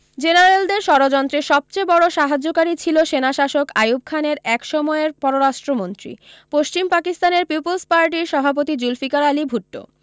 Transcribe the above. জেনারেলদের ষড়যন্ত্রে সবচেয়ে বড়ো সাহায্যকারী ছিল সেনাশাসক আইয়ুব খানের একসময়ের পররাষ্ট্রমন্ত্রী পশ্চিম পাকিস্তানের পিপল্স পার্টির সভাপতি জুলফিকার আলী ভুট্টো